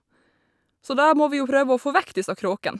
Så da må vi jo prøve å få vekk disse kråkene.